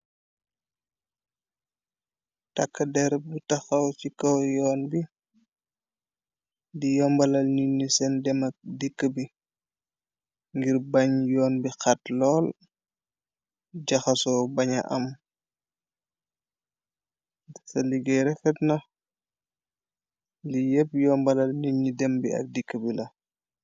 Tàkk der bu taxaw ci kaw yoon bi di yombalal nit ni seen demak dikki bi ngir bañ yoon bi xat lool jaxasoo baña am dsa liggéey refet na li yépp yombalal nit ñi dem bi ak dikk bi la.